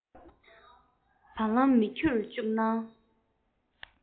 བ གླང མི ཁྱུར བཅུག གནང